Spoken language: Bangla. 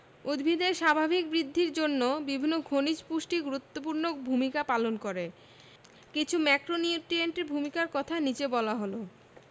উদ্ভিদের স্বাভাবিক বৃদ্ধির জন্য বিভিন্ন খনিজ পুষ্টি গুরুত্বপূর্ণ ভূমিকা পালন করে কিছু ম্যাক্রোনিউট্রিয়েন্টের ভূমিকার কথা নিচে বলা হল